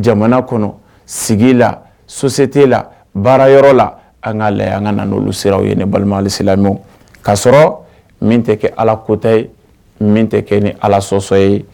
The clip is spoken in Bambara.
jamana kɔnɔ, sigi la, société la, baarayɔrɔ la, an ka lajɛ an ka na n'olu sira ye. Ne balima alisilamɛw, ka sɔrɔ min tɛ kɛ Ala kota ye, min tɛ kɛ ni Ala sɔsɔ ye.